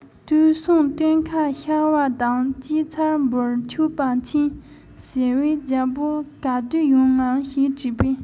དུས སང སྟོན ཁ ཤར བ དང སྐྱིད ཚབ འབུལ ཆོག པ མཁྱེན ཟེར བས རྒྱལ པོས ག དུས ཡོང ངམ ཞེས དྲིས པར